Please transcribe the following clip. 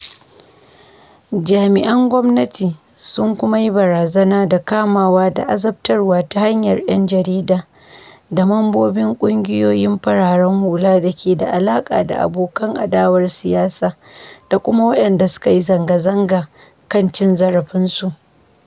Jami’an gwamnati sun kuma yi barazana da kamawa da azabtarwa da hantarar ‘yan jarida da mambobin ƙugiyoyin fararen hula da ke da alaƙa da abokan adawar siyasa ko kuma waɗanda suka yi zanga-zanga kan cin zarafinsu.